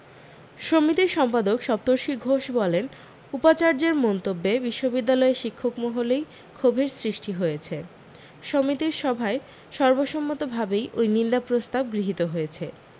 সমিতির সম্পাদক সপ্তর্ষি ঘোষ বলেন উপাচার্যের মন্তব্যে বিশ্ববিদ্যালয়ের শিক্ষক মহলেই ক্ষোভের সৃষ্টি হয়েছে সমিতির সভায় সর্বসম্মত ভাবেই ওই নিন্দা প্রস্তাব গৃহীত হয়েছে